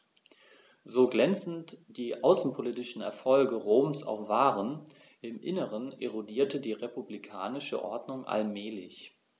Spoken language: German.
So glänzend die außenpolitischen Erfolge Roms auch waren: Im Inneren erodierte die republikanische Ordnung allmählich.